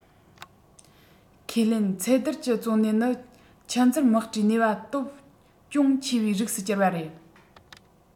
ཁས ལེན ཚད བསྡུར གྱི གཙོ གནད ནི ཆུ འཛུལ དམག གྲུའི ནུས པ སྟོབས ཅུང ཆེ བའི རིགས སུ གྱུར བ རེད